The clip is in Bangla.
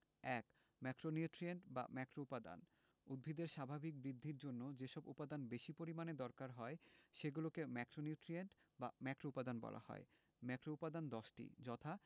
১ ম্যাক্রোনিউট্রিয়েন্ট বা ম্যাক্রোউপাদান উদ্ভিদের স্বাভাবিক বৃদ্ধির জন্য যেসব উপাদান বেশি পরিমাণে দরকার হয় সেগুলোকে ম্যাক্রোনিউট্রিয়েন্ট বা ম্যাক্রোউপাদান বলা হয় ম্যাক্রোউপাদান ১০টি যথা